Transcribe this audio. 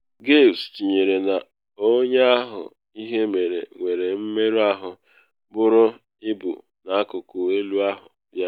Giles tinyere na onye ahụ ihe mere nwere mmerụ ahụ buru ibu n’akụkụ elu ahụ ya.